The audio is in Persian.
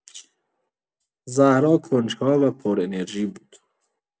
زهرا کنجکاو و پرانرژی بود.